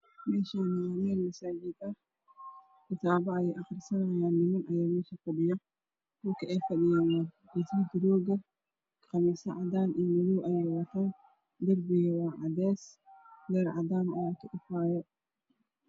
Meshaani waa meel misaajid ah kitaabo ayey aqrisanayaan ninam ayaa mesh fadhiyaan dhulak ey fadhiyaan waa waa ruug qamisyo cadaan iyo madow ey wataan darbigu waa cadees leyar cadaan ayaa ka ifaayo